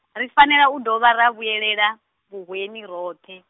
ri fanela u dovha ra vhuyelela. vhuhweni roṱhe.